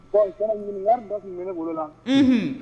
Ɔ n kɛra ɲininkali dɔ kun bi ne bolo la Unhun